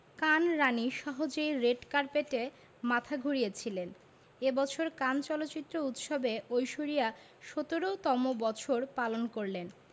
কান রাণী সহজেই রেড কার্পেটে মাথা ঘুরিয়েছিলেন এ বছর কান চলচ্চিত্র উৎসবে ঐশ্বরিয়া ১৭তম বছর পালন করলেন